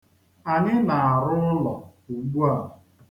Anyị na-arụ ụlọ ugbua.